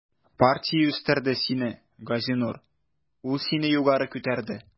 Партия үстерде сине, Газинур, ул сине югары күтәрде.